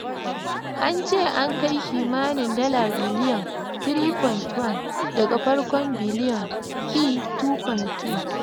An ce an kai kimanin dala biliyan €3.1 ($ 3.6bn) - daga farkon biliyan €2.2.